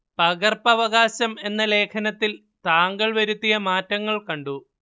പകർപ്പവകാശം എന്ന ലേഖനത്തിൽ താങ്കൾ വരുത്തിയ മാറ്റങ്ങൾ കണ്ടു